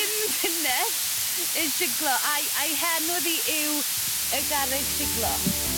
Pum tunnell yn shiglo a'i a'i henw ddi yw y garreg shiglo.